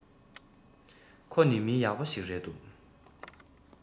ཁོ ནི མི ཡག པོ ཞིག རེད འདུག